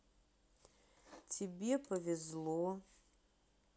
тебе повезло